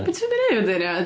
Be ti fod i wneud wedyn ia?